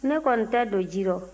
ne kɔni tɛ don ji rɔ